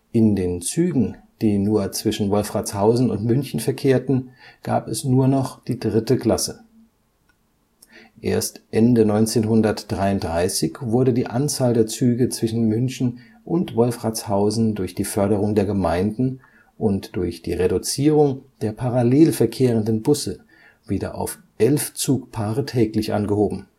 In den Zügen, die nur zwischen Wolfratshausen und München verkehrten, gab es nur noch die dritte Klasse. Erst Ende 1933 wurde die Anzahl der Züge zwischen München und Wolfratshausen durch die Förderung der Gemeinden und durch die Reduzierung der parallel verkehrenden Busse wieder auf elf Zugpaare täglich angehoben